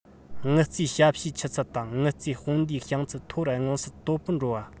དངུལ རྩའི ཞབས ཞུའི ཆུ ཚད དང དངུལ རྩའི དཔུང སྡེའི བྱང ཚད མཐོ རུ མངོན གསལ དོད པོ འགྲོ བ